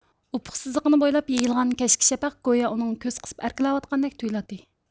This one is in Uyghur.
ئۇپۇق سىزىقىنى بويلاپ يېيىلغان كەچكى شەپەق گويا ئۇنىڭغا كۆز قىسىپ ئەركىلەۋاتقاندەك تۇيۇلاتتى